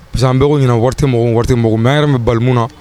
P an bɛɛko ɲɛna mɔgɔ mɛ yɛrɛ bɛ balimu na